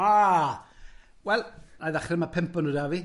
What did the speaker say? Ah, wel, na i ddechrau, ma' pump o nhw da fi.